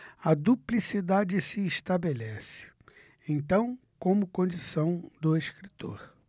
a duplicidade se estabelece então como condição do escritor